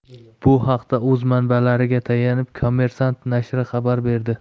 bu haqda o'z manbalariga tayanib kommersant nashri xabar berdi